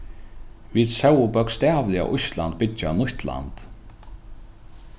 vit sóu bókstavliga ísland byggja nýtt land